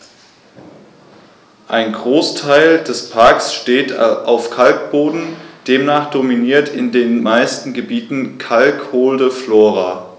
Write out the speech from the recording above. Ein Großteil des Parks steht auf Kalkboden, demnach dominiert in den meisten Gebieten kalkholde Flora.